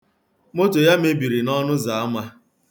Ụgbaala ya mebiri n'ọnụzaama.